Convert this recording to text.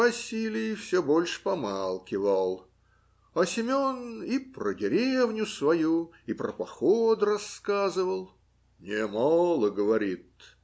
Василий все больше помалчивал, а Семен и про деревню свою и про поход рассказывал. Немало, говорит,